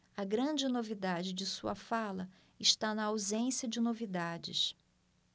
a grande novidade de sua fala está na ausência de novidades